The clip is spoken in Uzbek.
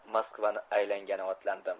moskvani aylangani otlandim